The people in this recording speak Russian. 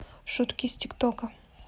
шутки из тик тока